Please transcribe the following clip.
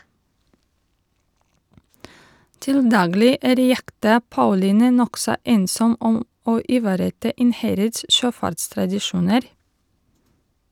Til daglig er jekta "Pauline" nokså ensom om å ivareta Innherreds sjøfartstradisjoner.